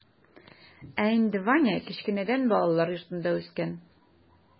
Ә инде ваня кечкенәдән балалар йортында үскән.